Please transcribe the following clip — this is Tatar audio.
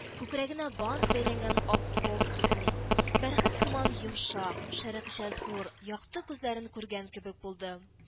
Күкрәгенә бант бәйләнгән ак кофтасын, бәрхет сыман йомшак, шәрекъча зур, якты күзләрен күргән кебек булды